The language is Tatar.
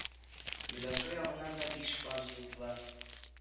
Миләүшә ягыннан да биш пар җыелдылар